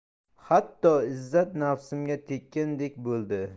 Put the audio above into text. hatto izzat nafsimga tekkandek bo'ldi